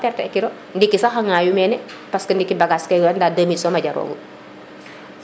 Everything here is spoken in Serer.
xa a perte kiro ndiki sax a ŋayu nene parce ndiki bagage ke yo nda 2000 soma jarogu